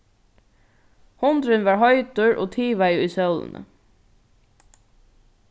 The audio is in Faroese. hundurin var heitur og tivaði í sólini